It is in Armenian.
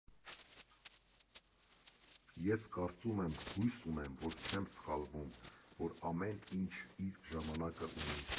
Ես կարծում եմ, հույս ունեմ, որ չեմ սխալվում, որ ամեն ինչ իր ժամանակը ունի։